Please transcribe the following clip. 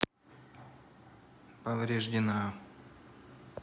повреждена